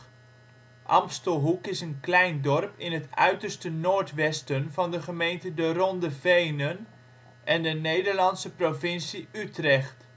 Amstelhoek is een klein dorp in het uiterste noordwesten van de gemeente De Ronde Venen en de Nederlandse provincie Utrecht